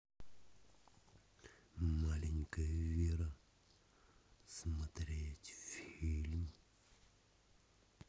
маленькая вера смотреть фильм